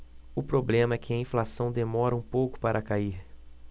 o problema é que a inflação demora um pouco para cair